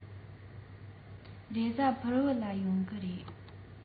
རེས གཟའ ཕུར བུ ལ ཡོང གི རེད